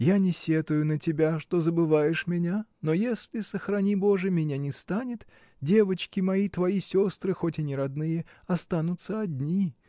Я не сетую на тебя, что забываешь меня: но если — сохрани Боже — меня не станет, девочки мои, твои сестры, хоть и не родные, останутся одни.